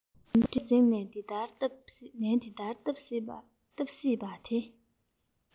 མགྲིན པ གཟེངས ནས ལན འདི ལྟར བཏབ སྲིད དེ